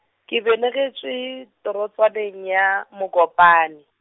ke belegetšwe torotswaneng ya, Mokopane.